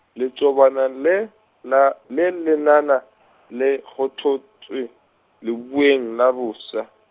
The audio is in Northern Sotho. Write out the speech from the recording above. letšobana le, la le lenana, le kgothotše, leubeng la bofsa.